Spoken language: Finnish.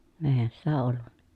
eihän sitä ollut